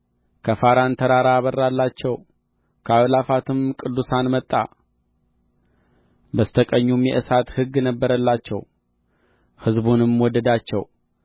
ከፋራን ተራራ አበራላቸው ከአእላፋትም ቅዱሳኑ መጣ በስተ ቀኙም የእሳት ሕግ ነበረላቸው ሕዝቡንም ወደዳቸው